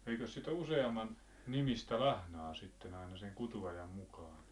eikös sitä ole useamman nimistä lahnaa sitten aina sen kutuajan mukaan